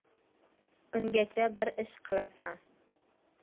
ungacha bir ish qilasan